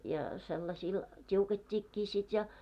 ja sellaisilla tiukettiinkin sitten ja